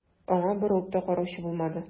Аңа борылып та караучы булмады.